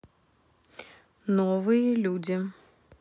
новые люди